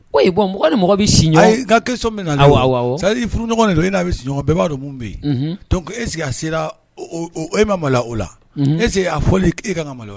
Ko mɔgɔ ni mɔgɔ bɛ sini ayi kɛsɔ min na sa furu ɲɔgɔn don na bɛɔgɔɔn bɛɛba don minnu bɛ e sigi a sera o ma malo o la ese a fɔ e ka malo ye